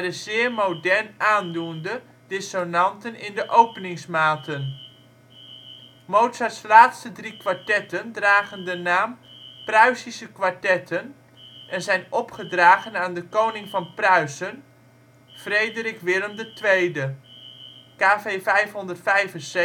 zeer modern aandoende dissonanten in de openingsmaten. Mozarts laatste drie kwartetten dragen de naam Pruisische kwartetten en zijn opgedragen aan de koning van Pruisen, Frederik Willem II (KV 575, 589 en 590